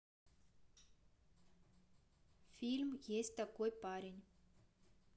фильм есть такой парень